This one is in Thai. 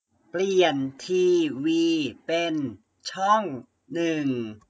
เปลี่ยนทีวีเป็นช่องหนึ่ง